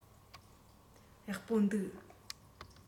ཡག པོ འདུག